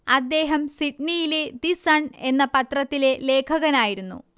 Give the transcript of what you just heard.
അദ്ദേഹം സിഡ്നിയിലെ the Sun എന്ന പത്രത്തിലെ ലേഖകനായിരുന്നു